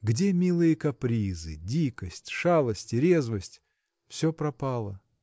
Где милые капризы, дикость, шалости, резвость? Все пропало.